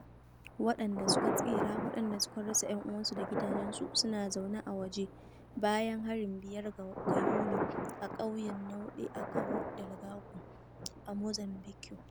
Waɗanda suka tsira waɗanda suka rasa 'yan'uwansu da gidajensu suna zaune a waje bayan harin 5 ga Yuni a ƙauyen Naunde a Cabo Delgado, a Mozambiƙue.